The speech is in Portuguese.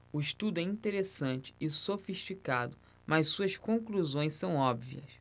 o estudo é interessante e sofisticado mas suas conclusões são óbvias